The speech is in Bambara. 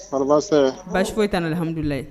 Kɔri baasi tɛ yen, baasi foyi t'an na alihamudulila